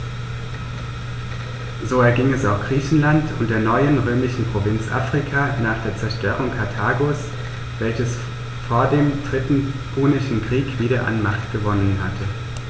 So erging es auch Griechenland und der neuen römischen Provinz Afrika nach der Zerstörung Karthagos, welches vor dem Dritten Punischen Krieg wieder an Macht gewonnen hatte.